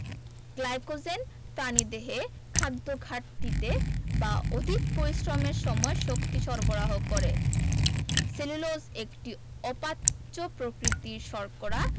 glycogen প্রাণীদেহে খাদ্যঘাটতিতে বা অধিক পরিশ্রমের সময় শক্তি সরবরাহ করে সেলুলোজ একটি অপাচ্য প্রকৃতির শর্করা